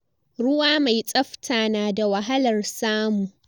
Ruwa mai tsafta na da wahalar samu.